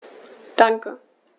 Danke.